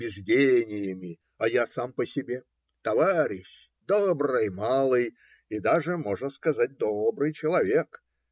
убеждениями, а я сам по себе товарищ, добрый малый и даже, можно сказать, добрый человек.